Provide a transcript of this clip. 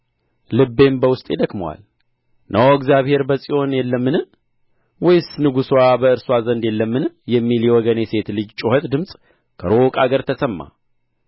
እልቤም በውስጤ ደክሞአል እነሆ እግዚአብሔር በጽዮን የለምን ወይስ ንጉሥዋ በእርስዋ ዘንድ የለምን የሚል የወገኔ ሴት ልጅ ጩኸት ድምፅ ከሩቅ አገር ተሰማ